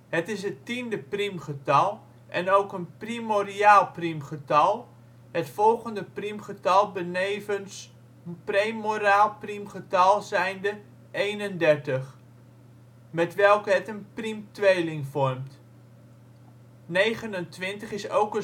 Het is het tiende priemgetal, en ook een primoriaal priemgetal, het volgende priemgetal benevens primoraal priemgetal zijnde eenendertig, met welke het een priemtweeling vormt. Negenentwintig is ook